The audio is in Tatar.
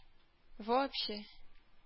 Вообще